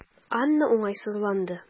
Анна уңайсызланды.